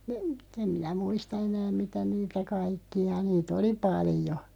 ne en minä muista enää mitä niitä kaikkia niitä oli paljon